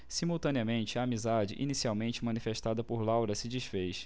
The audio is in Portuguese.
simultaneamente a amizade inicialmente manifestada por laura se disfez